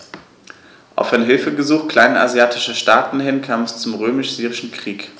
Auf ein Hilfegesuch kleinasiatischer Staaten hin kam es zum Römisch-Syrischen Krieg.